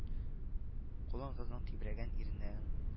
Кулын кызның тибрәнгән иреннәрен